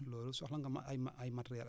loolu soxla nga ma ay ma ay ay matériels